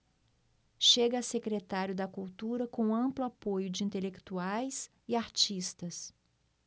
chega a secretário da cultura com amplo apoio de intelectuais e artistas